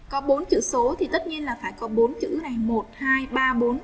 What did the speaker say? có bốn chữ số thì tất nhiên là phải có bốn chữ này